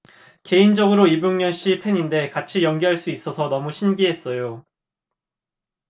개인적으로 이봉련 씨 팬인데 같이 연기할 수 있어서 너무 신기했어요